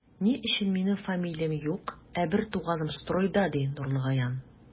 Ни өчен минем фамилиям юк, ә бертуганым стройда, ди Нурлыгаян.